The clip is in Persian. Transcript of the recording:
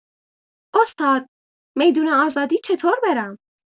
استاد، می‌دون آزادی چطور برم؟